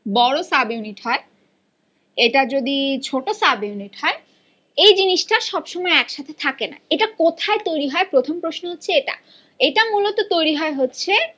বড় sub unit হয় এটা যদি ছোট সাব ইউনিট হয় এ জিনিসটা সব সময় একসাথে থাকে না এটা কোথায় তৈরি হয় প্রথম প্রশ্ন হচ্ছে এটা এটা মূলত তৈরি হয় হচ্ছে